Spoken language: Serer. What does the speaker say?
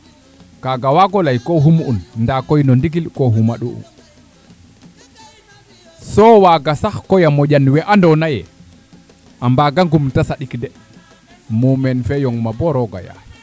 kaga wago ley ko xum un nda koy no ndigil ko xumaɗox un so waaga sax koy a moƴan we ando naye a mbaga ngum te saɗik de mumeen fe yoŋma bo rooga yaar